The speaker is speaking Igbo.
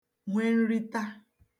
hwenrita